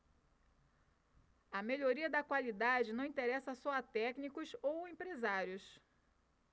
a melhoria da qualidade não interessa só a técnicos ou empresários